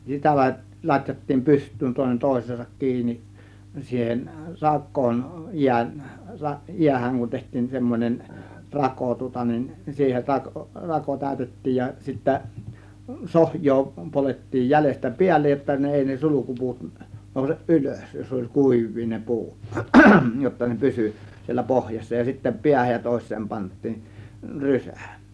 sitä - latjattiin pystyyn toinen toiseensa kiinni siihen rakoon - jäähän kun tehtiin semmoinen rako tuota niin siihen rako rako täytettiin ja sitten sohjoa poljettiin jäljestä päälle jotta ne ei ne sulkupuut nouse ylös jos oli kuivia ne puut jotta ne pysyi siellä pohjassa ja sitten päähän ja toiseen pantiin rysä